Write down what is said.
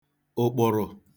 ụ̀kpụ̀rụ̀